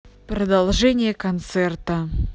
продолжение концерта